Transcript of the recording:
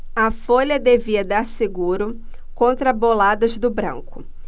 a folha devia dar seguro contra boladas do branco